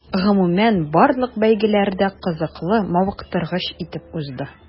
Гомумән, барлык бәйгеләр дә кызыклы, мавыктыргыч итеп узды.